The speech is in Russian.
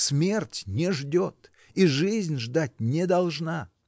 Смерть не ждет, и жизнь ждать не должна.